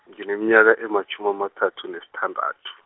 ngineminyaka ematjhumi amathathu nesithandathu.